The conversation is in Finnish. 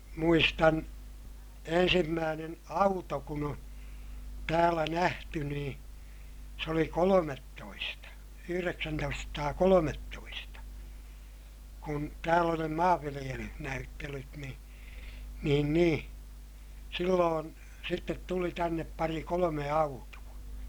muistan ensimmäinen auto kun on täällä nähty niin se oli kolmetoista yhdeksäntoistasataakolmetoista kun täällä oli ne - maanviljelysnäyttelyt niin niin niin silloin sitten tuli tänne pari kolme autoa